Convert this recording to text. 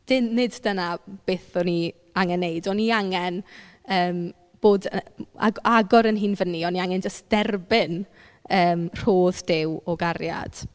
Di- nid dyna beth o'n i angen wneud. O'n i angen yym bod yy ag- agor yn hun fyny, o'n i angen jyst derbyn yym rhodd Duw o gariad.